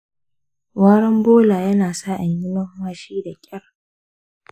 warin bula yana sa ni numfashi da kyar.